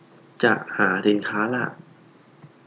จะหาสินค้าละ